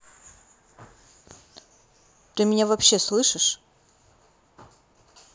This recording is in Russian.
ты меня вообще слышишь